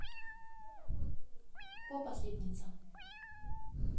попа слипнется